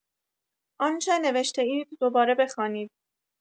آنچه نوشته‌اید دوباره بخوانید.